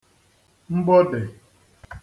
mgbodè